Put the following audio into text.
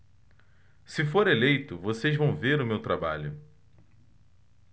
se for eleito vocês vão ver o meu trabalho